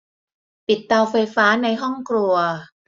ปิดเตาไฟฟ้าในห้องครัว